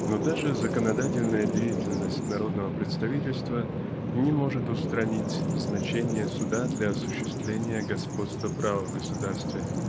Но даже законодательная деятельность народного представительства не может устранить значения суда для осуществления господства права в государстве.